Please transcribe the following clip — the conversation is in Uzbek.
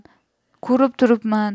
ko'rib turibman